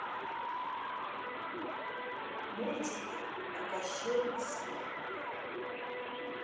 мультики про кощея бессмертного